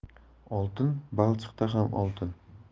oltin balchiqda ham oltin